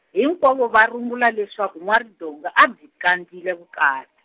hinkwavo va rungula leswaku N'wa-Ridonga a byi kandzile vukat-.